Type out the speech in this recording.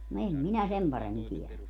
no en minä sen paremmin tiedä